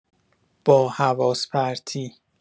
با حواس‌پرتی